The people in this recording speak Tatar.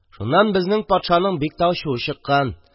Шуннан безнең патшаның бик тә ачуы чыккан.